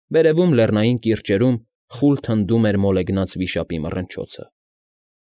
Վերևում, լեռնային կիրճերում խուլ թնդում էր մոլեգնած վիշապի մռնչոցը։